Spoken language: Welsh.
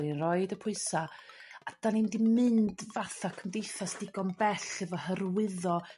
dan ni roid y pwysa'.A dan ni'm di mynd fatha cymdeithas digon bell efo hyrwyddo